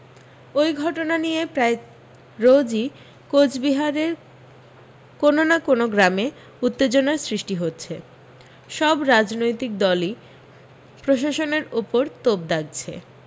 ওই ঘটনা নিয়ে প্রায় রোজই কোচবিহারের কোনও না কোনও গ্রামে উত্তেজনার সৃষ্টি হচ্ছে সব রাজনৈতিক দলি প্রশাসনের উপর তোপ দাগছে